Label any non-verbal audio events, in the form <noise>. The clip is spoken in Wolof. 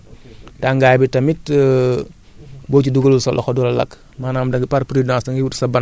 xetu lu nëb la nii tuuti rekk parce que pour wane ne daal li ngay togg mi ngi ñor <crosstalk> tàngaay bi tamit <hesitation>